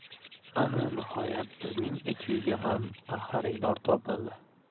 ana nihoyat bizning echkiga ham xaridor topildi